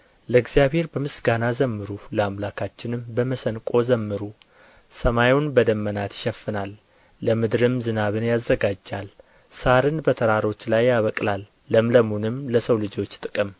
ለእግዚአብሔር በምስጋና ዘምሩ ለአምላካችንም በመሰንቆ ዘምሩ ሰማዩን በደመናት ይሸፍናል ለምድርም ዝናብን ያዘጋጃል ሣርን በተራሮች ላይ ያበቅላል ለምለሙንም ለሰው ልጆች ጥቅም